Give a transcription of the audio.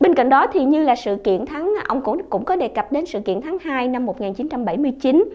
bên cạnh đó thì như là sự kiện thắng ông cũng cũng có đề cập đến sự kiện tháng hai năm một ngàn chín trăm bảy mươi chín